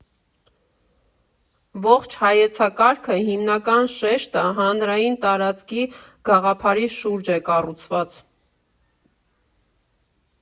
Ողջ հայեցակարգը հիմնական շեշտը հանրային տարածքի գաղափարի շուրջ է կառուցված։